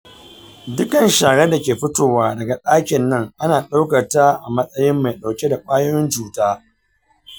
dukkan sharar dake fitowa daga dakin nan ana daukar ta a matsayin mai dauke da kwayoyin cuta.